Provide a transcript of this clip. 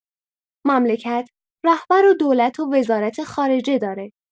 مملکت رهبر و دولت و وزارت‌خارجه داره.